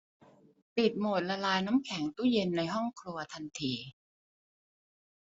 ปิดโหมดละลายน้ำแข็งตู้เย็นในห้องครัวทันที